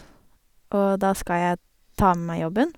Og da skal jeg ta med meg jobben.